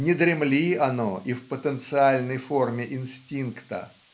не дремли оно и в потенциальной форме инстинкта